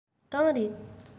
གང རེད